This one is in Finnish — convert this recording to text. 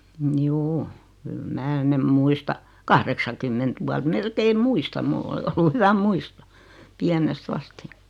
juu kyllä minä ne muistan kahdeksankymmentä vuotta melkein muistan minulla oli ollut hyvä muisto pienestä asti